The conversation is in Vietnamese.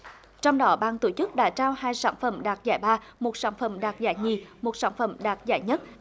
trong đó ban tổ chức đã trao hai sản phẩm đạt giải ba một sản phẩm đạt giải nhì một sản phẩm đạt giải nhất